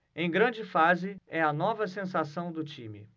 em grande fase é a nova sensação do time